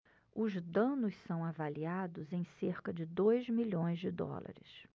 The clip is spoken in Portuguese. os danos são avaliados em cerca de dois milhões de dólares